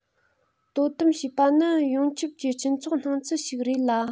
དོ དམ ཞེས པ ནི ཡོངས ཁྱབ ཀྱི སྤྱི ཚོགས སྣང ཚུལ ཞིག རེད ལ